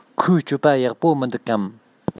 ཁོའི སྤྱོད པ ཡག པོ མི འདུག གམ